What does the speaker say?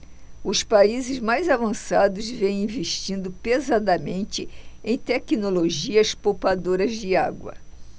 os países mais avançados vêm investindo pesadamente em tecnologias poupadoras de água